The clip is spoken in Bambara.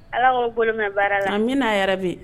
Ala k'o bolo mɛn baara la an bɛna a yɛrɛ bi